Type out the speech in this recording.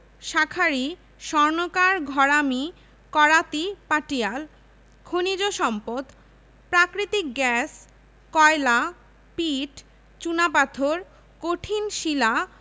শাঁখারি স্বর্ণকার ঘরামি করাতি পাটিয়াল খনিজ সম্পদঃ প্রাকৃতিক গ্যাস কয়লা পিট চুনাপাথর কঠিন শিলা